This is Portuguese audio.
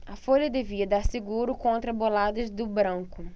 a folha devia dar seguro contra boladas do branco